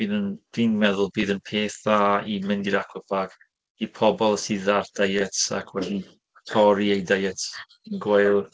Bydd yn... dwi'n meddwl bydd yn peth dda i mynd i'r aquapark i pobl sydd ar diets ac wedi torri eu diets gwael.